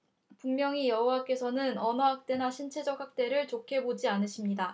분명히 여호와께서는 언어 학대나 신체적 학대를 좋게 보지 않으십니다